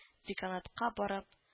Деканатка барып